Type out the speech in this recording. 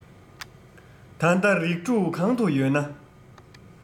ད ལྟ རིགས དྲུག གང དུ ཡོད ན